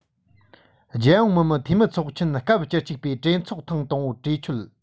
རྒྱལ ཡོངས མི དམངས འཐུས མིའི ཚོགས ཆེན སྐབས བཅུ གཅིག པའི གྲོས ཚོགས ཐེངས དང པོའི གྲོས ཆོད